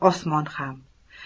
osmon ham